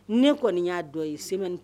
Ni kɔni y'a dɔn ye semɛ